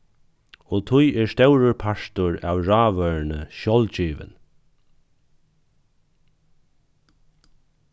og tí er stórur partur av rávøruni sjálvgivin